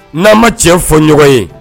N'an ma tiɲɛ fɔ ɲɔgɔn ye